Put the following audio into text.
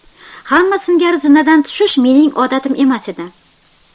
hamma singari zinadan tushish mening odatim emas edi